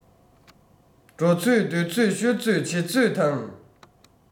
འགྲོ ཚོད སྡོད ཚོད ཤོད ཚོད བྱེད ཚོད དང